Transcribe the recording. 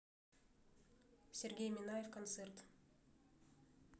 сергей минаев концерт